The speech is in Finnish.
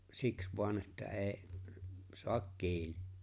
siksi vain että ei saa kiinni